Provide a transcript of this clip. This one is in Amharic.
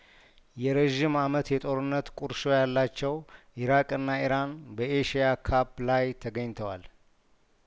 የረዥም አመት የጦርነት ቁርሾ ያላቸው ኢራቅና ኢራን በኤሽያካፕ ላይ ተገኝተዋል